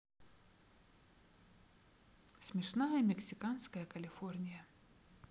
смешная мексиканская калифорния